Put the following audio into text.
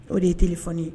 O de ye teli fɔ ye